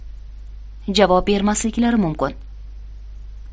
javob bermasliklari mumkin